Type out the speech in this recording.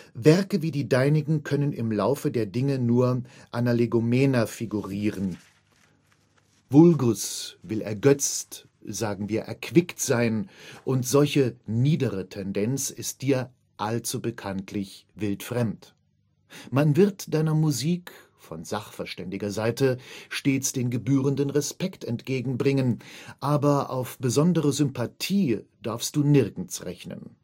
Werke wie die Deinigen können im Laufe der Dinge nur analegomena figuriren. Vulgus will ergötzt, sagen wir erquickt sein und solche „ niedere “Tendenz ist Dir allzubekanntlich wildfremd. Man wird Deiner Musik – von Sachverständiger Seite – stets den gebührenden Respekt entgegenbringen, aber auf besondere Sympathie darfst Du nirgends rechnen